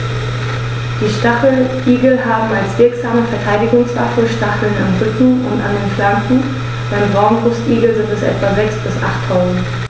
Die Stacheligel haben als wirksame Verteidigungswaffe Stacheln am Rücken und an den Flanken (beim Braunbrustigel sind es etwa sechs- bis achttausend).